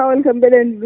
kawle kam mbiɗa anndi ɗum